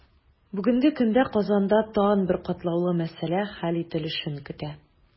Бүгенге көндә Казанда тагын бер катлаулы мәсьәлә хәл ителешен көтә.